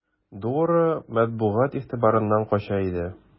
Дора матбугат игътибарыннан кача иде.